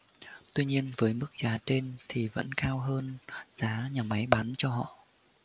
tuy nhiên với mức giá trên thì vẫn cao hơn giá nhà máy bán cho họ